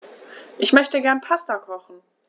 Ich möchte gerne Pasta kochen.